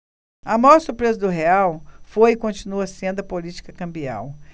a maior surpresa do real foi e continua sendo a política cambial